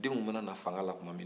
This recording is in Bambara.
denw mana na fanga la tuma min